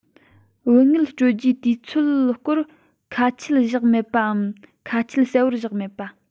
བོགས དངུལ སྤྲོད རྒྱུའི དུས ཚད སྐོར ཁ ཆད བཞག མེད པའམ ཁ ཆད གསལ པོ བཞག མེད པ